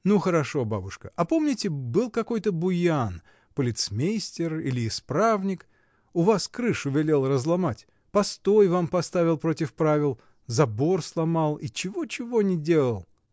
— Ну, хорошо, бабушка: а помните, был какой-то буян, полицмейстер, или исправник: у вас крышу велел разломать, постой вам поставил против правил, забор сломал и чего-чего не делал!